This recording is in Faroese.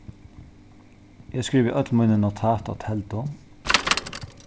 eg skrivi øll míni notat á teldu